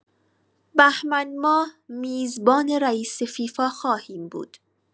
بهمن‌ماه میزبان رییس فیفا خواهیم بود.